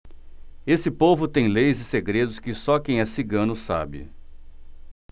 esse povo tem leis e segredos que só quem é cigano sabe